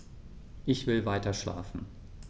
Ich will weiterschlafen.